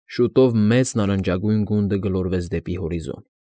Շուտով մեծ նարնջագույն գունդը գլորվեց դեպի հորիզոն։